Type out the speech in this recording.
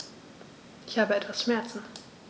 Ich habe etwas Schmerzen.